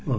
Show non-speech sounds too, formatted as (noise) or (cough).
(hesitation) (hesitation)